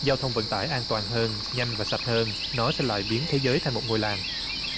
giao thông vận tải an toàn hơn nhanh và sạch hơn nó sẽ lại biến thế giới thành một ngôi làng